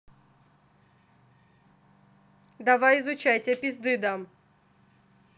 давай изучай тебе пизды дам